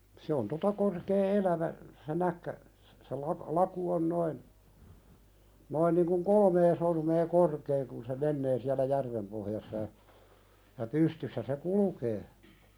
se on tuota korkea elävä se näkki se - laku on noin noin niin kuin kolmea sormea korkea kun se menee siellä järven pohjassa ja ja pystyssä se kulkee